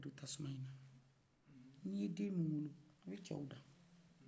o tasumana n'i ye den min wolo ola o bɛ cɛw dan